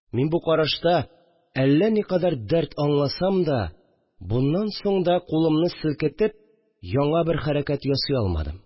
Мин бу карашта әллә никадәр дәрт аңласам да, моннан соң да кулымны селкетеп яңа бер хәрәкәт ясый алмадым